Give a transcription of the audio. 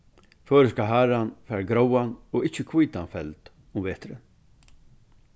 føroyska haran fær gráan og ikki hvítan feld um veturin